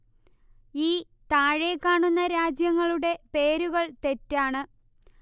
ഈ താഴെ കാണുന്ന രാജ്യങ്ങളുടെ പേരുകൾ തെറ്റാണ്